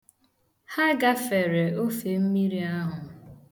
Ha gafere ofemmiri ahụ.